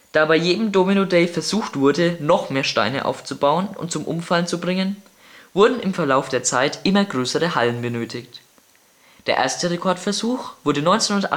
Da bei jedem Domino Day versucht wurde, noch mehr Steine aufzubauen und zum Umfallen zu bringen, wurden im Verlauf der Zeit immer größere Hallen benötigt. Der erste Rekordversuch wurde 1998